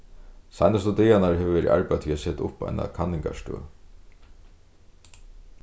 seinastu dagarnar hevur verið arbeitt við at seta upp eina kanningarstøð